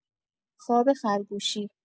خواب خرگوشی